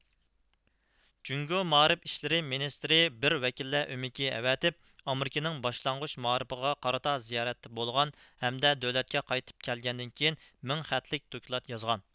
جۇڭگۇ مائارىپ ئىشلىرى مىنىستىرى بىر ۋەكىللەر ئۆمىكى ئەۋەتىپ ئامېرىكىنىڭ باشلانغۇچ مائارىپىغا قارىتا زىيارەتتە بولغان ھەمدە دۆلەتكە قايتىپ كەلگەندىن كېيىن مىڭ خەتلىك دوكلات يازغان